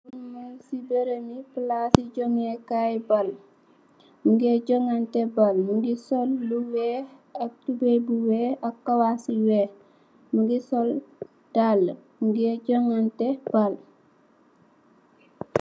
Mung si berembi palaci joganteh baal nyu geh joganteh baal mogi sol lu weex ak tubai bu weex ak kawas yu weex mogi sol daala mogeh joganteh baal.